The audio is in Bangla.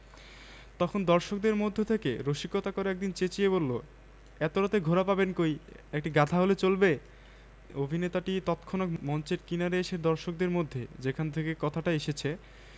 তখন দর্শকদের মধ্য থেকে রসিকতা করে একজন চেঁচিয়ে বললো এত রাতে ঘোড়া পাবেন কই একটি গাধা হলে চলবে অভিনেতাটি তৎক্ষনাত মঞ্চের কিনারে এসে দর্শকদের মধ্যে যেখান থেকে কথাটা এসেছে